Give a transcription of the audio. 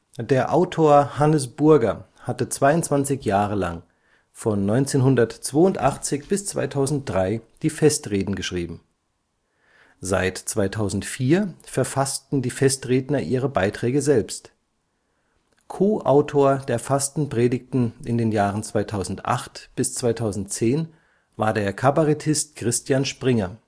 Der Autor Hannes Burger hatte 22 Jahre lang, von 1982 bis 2003 die Festreden geschrieben. Seit 2004 verfassten die Festredner ihre Beiträge selbst. Co-Autor der Fastenpredigten in den Jahren 2008 bis 2010 war der Kabarettist Christian Springer